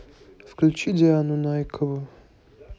включи диану найкову